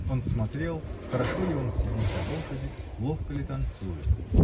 Он смотрел, хорошо ли он сидит на лошади, ловко ли танцует.